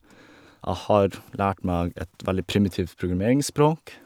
Jeg har lært meg et veldig primitivt programmeringsspråk.